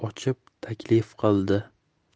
ochib taklif qildi